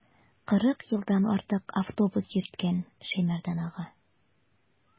Кырык елдан артык автобус йөрткән Шәймәрдан ага.